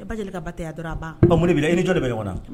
I ba ka ba ta dɔrɔn abili i ni jɔ de bɛ wa